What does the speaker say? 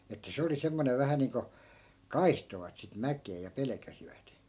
että se oli semmoinen vähän niin kuin kaihtoivat sitten mäkeä ja pelkäsivät